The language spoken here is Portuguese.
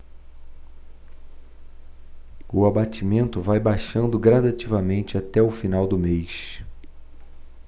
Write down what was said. o abatimento vai baixando gradativamente até o final do mês